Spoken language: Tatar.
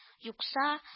Юкса